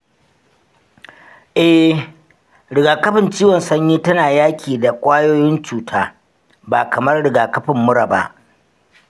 eh, rigakafin ciwon sanyi tana yaki da ƙwayoyin cuta, ba kamar rigakafin mura ba.